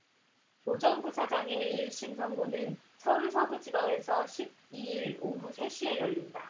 조 전 부사장의 일 심 선고는 서울서부지법에서 십 이 일 오후 세 시에 열린다